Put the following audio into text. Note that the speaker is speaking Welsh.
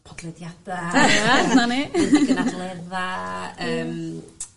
podlediada . 'Na ni. gynadledda' yym